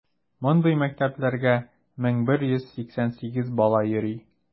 Мондый мәктәпләргә 1188 бала йөри.